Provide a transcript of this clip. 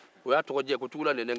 o y'a tɔgɔjɛ ye ko tugula nɛɛnɛ